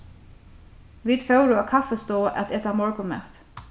vit fóru á kaffistovu at eta morgunmat